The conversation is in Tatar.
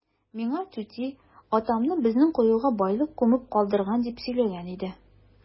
Миңа түти атамны безнең коега байлык күмеп калдырган дип сөйләгән иде.